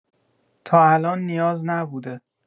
تا الان نیاز نبوده.